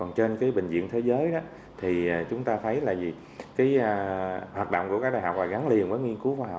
còn trên cái bệnh viện thế giới thì chúng ta thấy là gì kí a hoạt động của các đại học và gắn liền với nghiên cứu khoa học